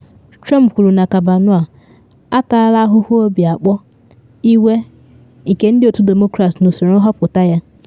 Trump kwuru na Kavanaugh “ataala ahụhụ obi akpọ, iwe” nke ndị Otu Demokrat n’usoro nhọpụta ya.